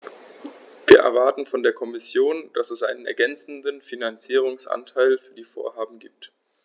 Wir erwarten von der Kommission, dass es einen ergänzenden Finanzierungsanteil für die Vorhaben gibt.